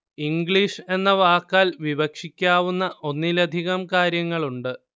English എന്ന വാക്കാൽ വിവക്ഷിക്കാവുന്ന ഒന്നിലധികം കാര്യങ്ങളുണ്ട്